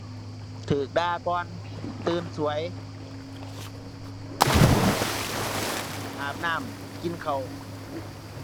ถูกด่าก่อน ตื่นถูก เตรียมถูก อาบน้ำ กินข้าว